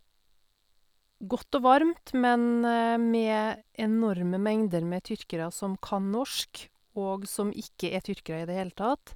Godt og varmt, men med enorme mengder med tyrkere som kan norsk, og som ikke er tyrkere i det hele tatt.